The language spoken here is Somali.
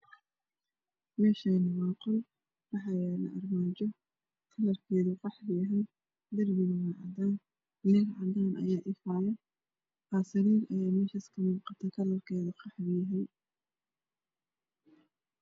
Meshani waa qol waxyalo armajo kalarkedu qaxwi yahay darbiga waa cadan leer cadan ah aya ifayo sarir aya halkas kamuqado kalarked qaxwi ah